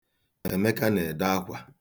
Emeka na-ede akwa.